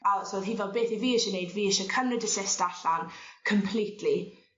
A so o'dd hi fel beth 'yf fi isie neud fi isie cymryd y cyst allan completely